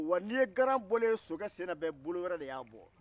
wa n'i ye garan bɔlen ye sokɛ sen na bɛ bolo wɛrɛ de y'a bɔ